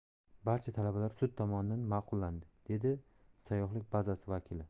barcha talablar sud tomonidan ma'qullandi dedi sayyohlik bazasi vakili